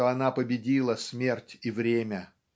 что она победила смерть и время.